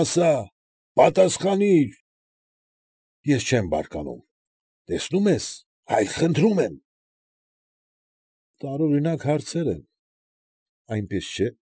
Ասա՛, պատասխանիր, ես չեմ բարկանում, տեսնում ես, այլ խնդրում եմ… Տարօրինակ հարցեր են, այնպես չէ։